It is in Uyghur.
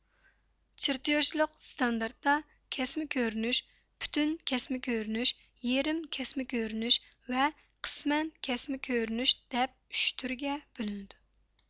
چىرتيوژچىلىق ستاندارتدا كەسمە كۆرۈنۈش پۈتۈك كەسمە كۆرۈنۈش يېرىم كەسمە كۆرۈنۈش ۋە قىسمەن كەسمە كۆرۈنۈش دەپ ئۈچ تۈرگە بۆلۈنىدۇ